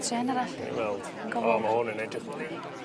Tria un arall. Gewn ni weld. O ma' ma' 'wn yn edrych fel un